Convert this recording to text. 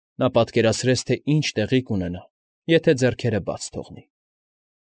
Նա պատկերացրեց, թե ինչ տեղի կունենա, եթե ձեռքերը բաց թողնի։